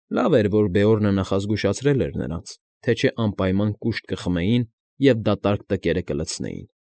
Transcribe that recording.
Լավ էր, որ Բեորնը նախազգուշացրել էր նարնց, թե չէ անպայման կուշտ կխմեին և դատարկ տկերը կլցնեին։